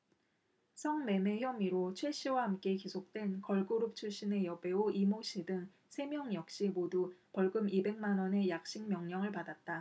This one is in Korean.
성매매 혐의로 최씨와 함께 기소된 걸그룹 출신의 여배우 이모씨 등 세 명 역시 모두 벌금 이백 만원의 약식명령을 받았다